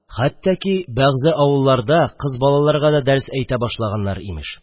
Хәттә ки бәгъзе авылларда кыз балаларга да дәрес әйтә башлаганнар, имеш.